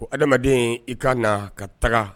Ko adamaden i ka na ka taga.